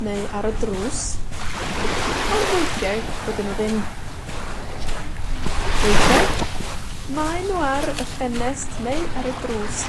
neu ar y drws, ond weithiau dydyn nw ddim. Weithiau mae nw ar y ffenest neu ar y drws .